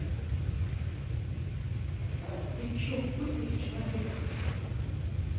а ты че пульт или человек